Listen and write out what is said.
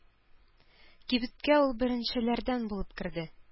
Кибеткә ул беренчеләрдән булып керде.